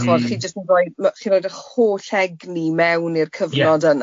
chimod chi jyst yn rhoi ma chi'n rhoid eich holl egni mewn i'r cyfnod yna.